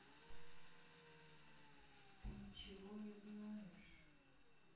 ты чего ничего не знаешь